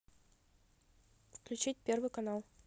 включить первый канал